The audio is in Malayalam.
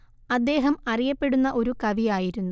അദ്ദേഹം അറിയപ്പെടുന്ന ഒരു കവി ആയിരുന്നു